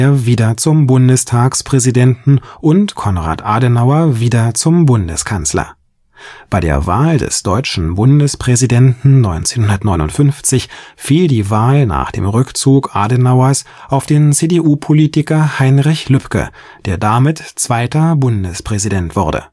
wieder zum Bundestagspräsidenten und Konrad Adenauer wieder zum Bundeskanzler. Bei der Wahl des deutschen Bundespräsidenten 1959 fiel die Wahl nach dem Rückzug Adenauers auf den CDU-Politiker Heinrich Lübke, der damit zweiter Bundespräsident wurde